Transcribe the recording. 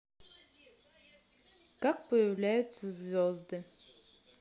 как появляются звезды